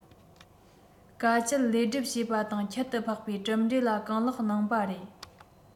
དཀའ སྤྱད ལས སྒྲུབ བྱེད པ དང ཁྱད དུ འཕགས པའི གྲུབ འབྲས ལ གང ལེགས གནང བ རེད